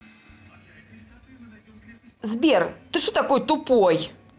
сбер ты что такой тупой